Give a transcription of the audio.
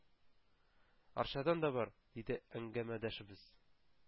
Арчадан да бар”, — диде әңгәмәдәшебез.